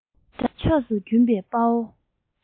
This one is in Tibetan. དགྲ ཕྱོགས སུ རྒྱུག བཞིན པའི དཔའ བོ